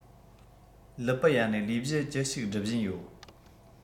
ལི པི ཡ ནས ལས གཞི ཅི ཞིག སྒྲུབ བཞིན ཡོད